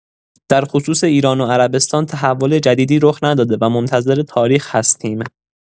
در خصوص ایران و عربستان تحول جدیدی رخ نداده و منتظر تاریخ هستیم.